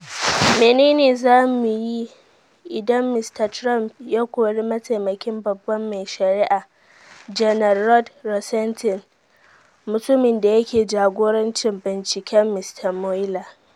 Menene za mu yi idan Mr. Trump ya kori mataimakin Babban mai Shari'a Janar Rod Rosenstein, mutumin da yake jagorancin binciken Mr. Mueller?